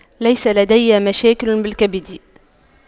ليس لدي مشاكل بالكبد